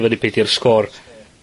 fyny be' 'di'r sgôr